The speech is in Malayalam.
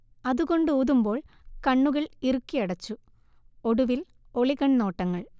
അതുകൊണ്ട് ഊതുമ്പോൾ കണ്ണുകൾ ഇറുക്കിയടച്ചു, ഒടുവിൽ ഒളികൺനോട്ടങ്ങൾ